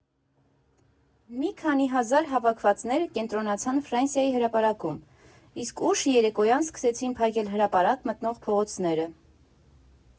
Մի քանի հազար հավաքվածները կենտրոնացան Ֆրանսիայի հրապարակում, իսկ ուշ երեկոյան սկսեցին փակել հրապարակ մտնող փողոցները.